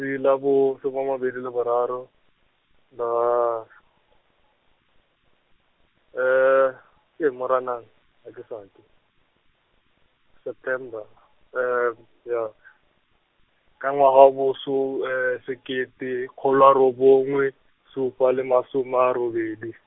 di la bo, soma a mabedi le boraro, la, ke Moranang, ake , September , ja, ka ngwaga wa bo so- , sekete kgolo a robongwe, supa le masome a robedi.